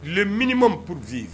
le minimum pour vivre